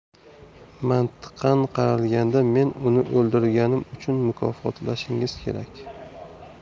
mantiqan qaralganda men uni o'ldirganim uchun mukofotlashingiz kerak